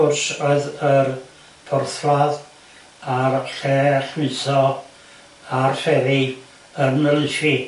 Wrth gwrs oedd yr porthladd a'r lle llwytho a'r fferi yn